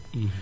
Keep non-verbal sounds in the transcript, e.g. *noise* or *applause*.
*hesitation* *hesitation*